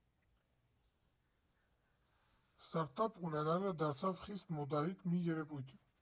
Ստարտափ ունենալը դարձավ խիստ մոդայիկ մի երևույթ։